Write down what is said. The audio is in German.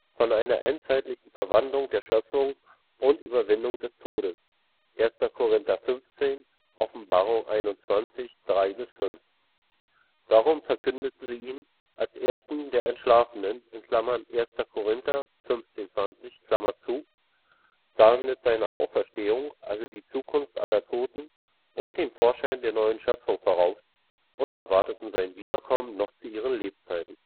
von einer endzeitlichen Verwandlung der Schöpfung und Überwindung des Todes (1 Kor 15; Off 21,3 – 5). Darum verkündeten sie ihn als „ Ersten der Entschlafenen “(1 Kor 15,20), sahen mit seiner Auferstehung also die Zukunft aller Toten und den Vorschein der neuen Schöpfung voraus und erwarteten sein Wiederkommen noch zu ihren Lebzeiten